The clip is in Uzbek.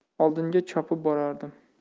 oldinga chopib borardim